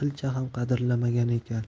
uni qilcha ham qadrlamagan ekan